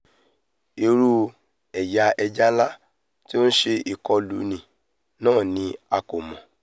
Irú ẹ̀yà ẹja ńlá tí ó ṣe ìkọluni náà ni a kò mọ̀.